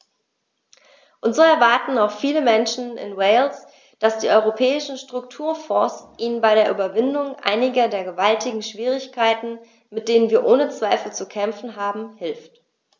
Und so erwarten auch viele Menschen in Wales, dass die Europäischen Strukturfonds ihnen bei der Überwindung einiger der gewaltigen Schwierigkeiten, mit denen wir ohne Zweifel zu kämpfen haben, hilft.